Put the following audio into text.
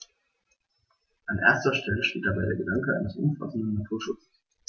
An erster Stelle steht dabei der Gedanke eines umfassenden Naturschutzes.